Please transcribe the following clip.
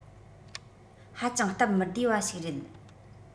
ཧ ཅང སྟབས མི བདེ བ ཞིག རེད